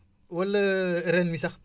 wala ren wi sax